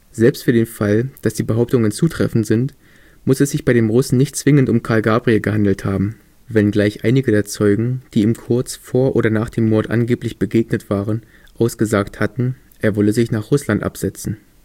Selbst für den Fall, dass die Behauptungen zutreffend sind, muss es sich bei dem Russen nicht zwingend um Karl Gabriel gehandelt haben; wenngleich einige der Zeugen, die ihm kurz vor und nach dem Mord angeblich begegnet waren, ausgesagt hatten, er wolle sich nach Russland absetzen